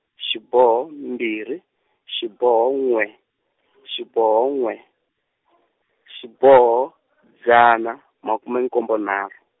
xiboho mbhiri xiboho n'we , xiboho n'we, xiboho, dzana, makume nkombo nharhu.